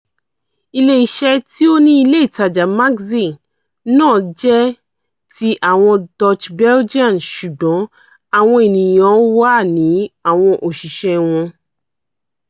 Ilé-iṣẹ́ [tí ó ni ilé ìtajà Maxi] náà jẹ́ ti àwọn Dutch-Belgian ṣùgbọ́n àwọn ènìyàn-an wa ni àwọn òṣìṣẹ́ẹ wọn!